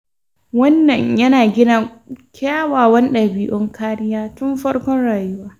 wannan yana gina kyawawan dabi'un kariya tun farkon rayuwa